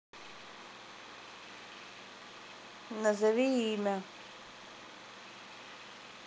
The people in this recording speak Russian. назови имя